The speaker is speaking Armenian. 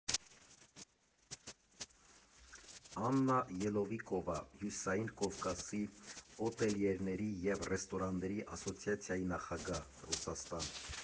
Աննա Ելովիկովա, Հյուսիսային Կովկասի օտելյերների և ռեստորատորների ասոցիացիայի նախագահ, Ռուսաստան։